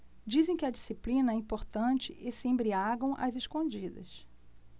dizem que a disciplina é importante e se embriagam às escondidas